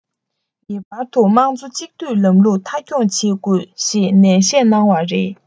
ངེས པར དུ དམངས གཙོ གཅིག སྡུད ལམ ལུགས མཐའ འཁྱོངས བྱེད དགོས ཞེས ནན བཤད གནང བ རེད